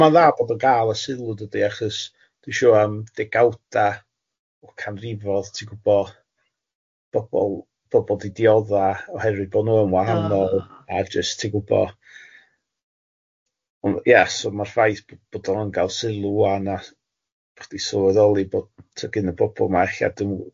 ma'n dda bod o'n gal y sylw dydi achos dwi'n siŵr am degawda, o canrifoedd ti'n gwybo bobl bobol di diodda oherwydd bod nhw yn wahanol... Oh. ...a jyst ti'n gwybod ond ia so ma'r ffaith bod bod nhw'n gael sylw ŵan a bod chdi sylweddoli bod tibod gen y bobol yma ella